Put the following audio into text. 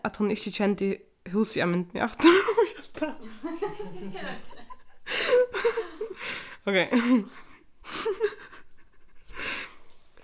at hon ikki kendi húsið á myndini aftur umskylda ókey